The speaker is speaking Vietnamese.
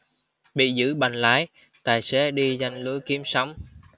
bị giữ bằng lái tài xế đi giăng lưới kiếm sống